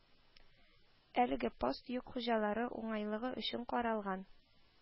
Әлеге пост йөк хуҗалары уңайлыгы өчен каралган